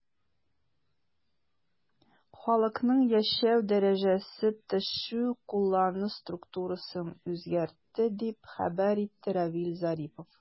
Халыкның яшәү дәрәҗәсе төшү куллану структурасын үзгәртте, дип хәбәр итте Равиль Зарипов.